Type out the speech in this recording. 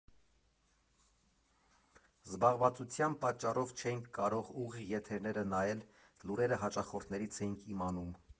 Զբաղվածության պատճառով չէինք կարող ուղիղ եթերները նայել, լուրերը հաճախորդներից էինք իմանում։